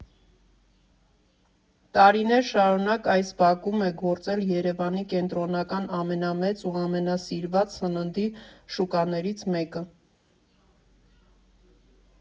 Տարիներ շարունակ այս բակում է գործել Երևանի կենտրոնական ամենամեծ ու ամենասիրված սննդի շուկաներից մեկը։